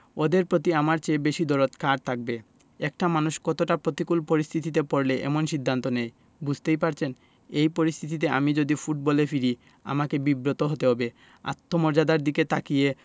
ওদের প্রতি আমার চেয়ে বেশি দরদ কার থাকবে একটা মানুষ কতটা প্রতিকূল পরিস্থিতিতে পড়লে এমন সিদ্ধান্ত নেয় বুঝতেই পারছেন এই পরিস্থিতিতে আমি যদি ফুটবলে ফিরি আমাকে বিব্রত হতে হবে আত্মমর্যাদার দিকে তাকিয়ে